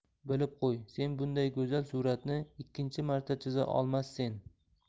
bilib qo'y sen bunday go'zal suratni ikkinchi marta chiza olmassen